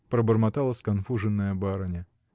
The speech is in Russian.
— пробормотала сконфуженная барыня.